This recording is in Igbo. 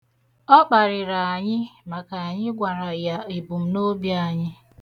Ọ kparịrị anyị maka anyị gwara ya ebumnoobi anyị.